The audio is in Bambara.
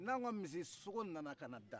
n'aw ka misisogo nana ka na da